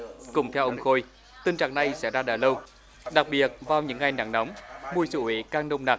cũng theo ông khôi tình trạng này xảy ra đã lâu đặc biệt vào những ngày nắng nóng mùi xú uế càng nồng nặc